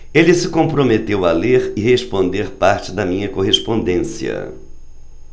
ele se comprometeu a ler e responder parte da minha correspondência